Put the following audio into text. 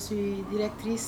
So ye repri